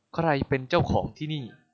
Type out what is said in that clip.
ใครเป็นเจ้าของที่นี่